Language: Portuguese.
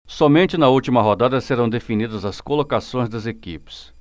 somente na última rodada serão definidas as colocações das equipes